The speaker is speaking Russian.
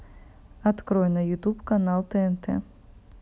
открой на ютуб канал тнт